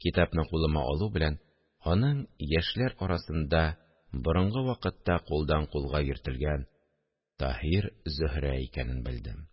Китапны кулыма алу белән аның яшьләр арасында борынгы вакытта кулдан-кулга йөртелгән «Таһир-Зөһрә» икәнен белдем